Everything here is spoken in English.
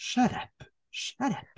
Shut up, shut up.